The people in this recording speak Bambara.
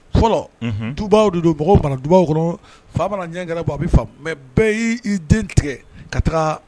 Fɔlɔ. Unhun! Dubaw de don. Mɔgɔ bana dubaw kɔnɔ , fa mana ɲɛgɛrɛ bɔ a bɛ faamu. mais bɛɛ y'i i den tigɛ ka